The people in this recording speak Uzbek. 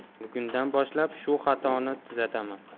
bugundan boshlab shu xatoni tuzataman